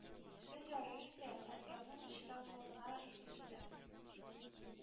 Без ярый инде, Әнкәмнең чыдамлылыгына исем китә.